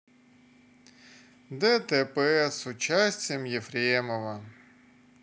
дтп с участием ефремова